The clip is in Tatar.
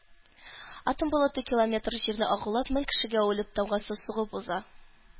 Атом болыты километр җирне агулап мең кешегә үлем тамгасы сугып уза.